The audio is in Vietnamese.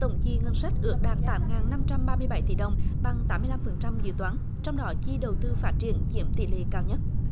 tổng chi ngân sách ước đạt tám ngàn năm trăm ba mươi bảy tỷ đồng bằng tám mươi lăm phần trăm dự toán trong đó chi đầu tư phát triển chiếm tỷ lệ cao nhất